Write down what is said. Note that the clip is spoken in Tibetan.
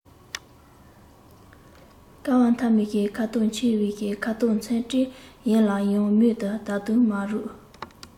བསྐལ བ མཐའ མའི ཁ དོག འཆི བའི ཁ དོག མཚམས སྤྲིན ཡལ ན ཡང མུན ད དུང མ རུབ